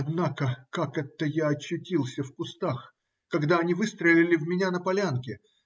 Однако как это я очутился в кустах, когда они выстрелили в меня на полянке?